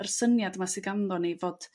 yr syniad 'ma sydd ganddo'n ni fod